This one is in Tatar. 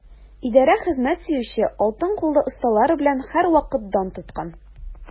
Идарә хезмәт сөюче, алтын куллы осталары белән һәрвакыт дан тоткан.